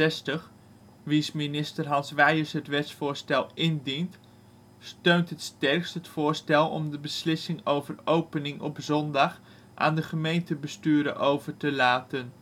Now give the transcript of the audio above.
D66, wiens minister Hans Wijers het wetsvoorstel indient, steunt het sterkst het voorstel om de beslissing over opening op zondag aan de gemeentebesturen over te laten